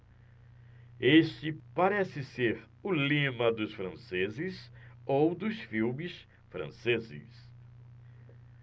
este parece ser o lema dos franceses ou dos filmes franceses